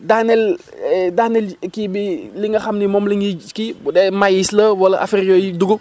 daaneel daaneel kii bi li nga xam ni moom la ñuy kii bu dee maïs la wala affaire yooyu dugub